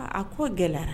Aa a ko gɛlɛyara